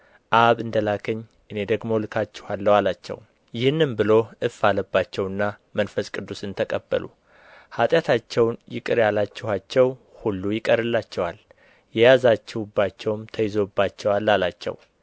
አብ እንደ ላከኝ እኔ ደግሞ እልካችኋለሁ አላቸው ይህንም ብሎ እፍ አለባቸውና መንፈስ ቅዱስን ተቀበሉ ኃጢአታቸውን ይቅር ያላችኋቸው ሁሉ ይቀርላቸዋል የያዛችሁባቸው ተይዞባቸዋል አላቸው